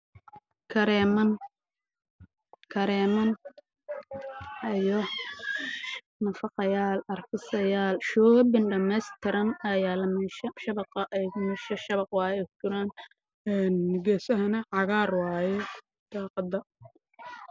Waa gareemo saaran iskifaalo midabkiis yahay pinki